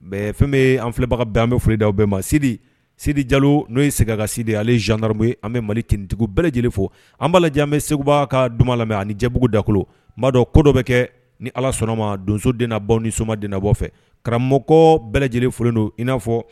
Mɛ fɛn bɛ an filɛbaga bɛ an bɛ foliereda bɛɛ ma sidi sidi jalo n'o ye sɛgɛnkasidi ale jankararobu an bɛ mali tintigiw bɛɛ lajɛlenele fɔ an b'a lajɛ an bɛ seguba ka don lamɛn ani jɛbugu dakolo maadɔ ko dɔ bɛ kɛ ni ala sɔnnama donso den na baw ni somadinabɔ fɛ karamɔgɔ bɛɛ lajɛlenele flen don in n'afɔ